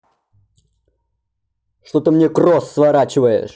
ты что мне cross сворачиваешь